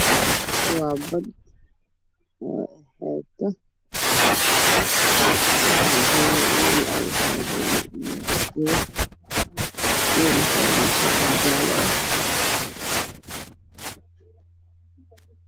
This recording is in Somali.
Waa meel oo xeeb ah waxaa joogo dad oo ka kooban niman ka ilmo ya naago waxaa ku yaalla gadaal guryo